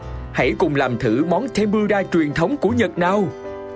hãy cùng làm thử món tem mu rai truyền thống của nhật nào